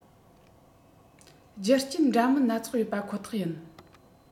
རྒྱུ རྐྱེན འདྲ མིན སྣ ཚོགས ཡོད པ ཁོ ཐག ཡིན